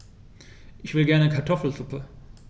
Ich will gerne Kartoffelsuppe.